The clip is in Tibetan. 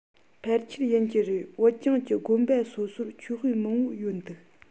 ཕལ ཆེར ཡིན གྱི རེད བོད ལྗོངས ཀྱི དགོན པ སོ སོར ཆོས དཔེ མང པོ ཡོད འདུག